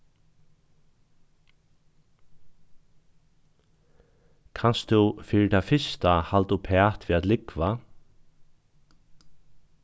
kanst tú fyri tað fyrsta halda uppat við at lúgva